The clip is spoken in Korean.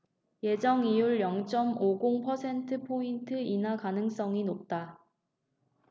예정이율 영 쩜 오 공 퍼센트포인트 인하 가능성이 높다